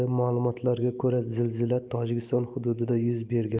ma'lumotlariga ko'ra zilzila tojikiston hududida yuz bergan